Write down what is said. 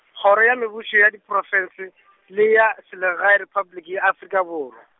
Kgoro ya Mebušo ya Diprofense , le ya Selegae Repabliki ya Afrika Borwa.